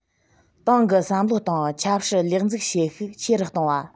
ཏང གི བསམ བློ དང ཆབ སྲིད ལེགས འཛུགས བྱེད ཤུགས ཆེ རུ གཏོང བ